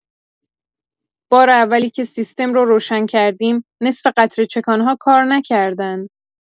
بار اولی که سیستم رو روشن کردیم، نصف قطره‌چکان‌ها کار نکردن.